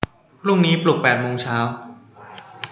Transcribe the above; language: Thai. พรุ่งนี้ปลุกแปดโมงเช้า